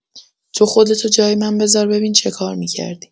تو خودتو جای من بذار ببین چه کار می‌کردی.